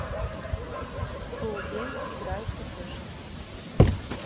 кул геймс играют в песочницу